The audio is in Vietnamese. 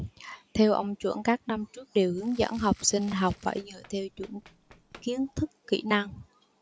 theo ông chuẩn các năm trước đều hướng dẫn học sinh học phải dựa theo chuẩn kiến thức kỹ năng